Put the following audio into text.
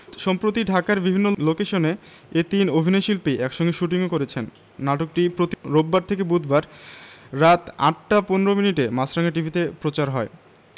সম্প্রতি ঢাকার বিভিন্ন লোকেশনে এ তিন অভিনয়শিল্পী একসঙ্গে শুটিংও করেছেন নাটকটি প্রতি রোববার থেকে বুধবার রাত ৮টা ১৫ মিনিটে মাছরাঙা টিভিতে প্রচার হয়